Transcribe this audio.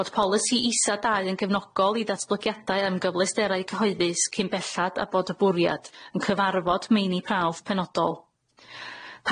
Bod polisi isa dau yn gefnogol i ddatblygiadau am gyfleusterau cyhoeddus cyn bellad a bod y bwriad yn cyfarfod meini prawf penodol.